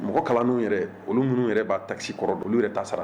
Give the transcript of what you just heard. Mɔgɔ kalan ninnu yɛrɛ olu minnu yɛrɛ b'a tasi kɔrɔ don olu yɛrɛ ta sara